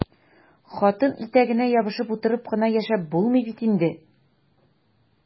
Хатын итәгенә ябышып утырып кына яшәп булмый бит инде!